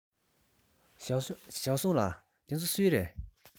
ཞའོ སུང ལགས འདི ཚོ སུའི རེད